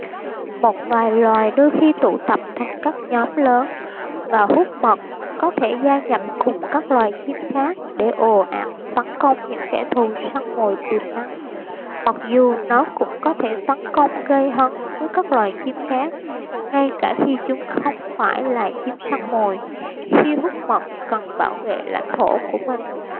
một vài loài đôi khi tụ tập thành các nhóm lớn và hút mật có thể gia nhập cùng các loài chim khác để ồ ạt tấn công những kẻ thù săn mồi tiềm năng mặc dù nó cũng có thể tấn công gây hấn với các loài chim khác ngay cả khi chúng không phải là chim săn mồi khi hút mật cần bảo vệ lãnh thổ của mình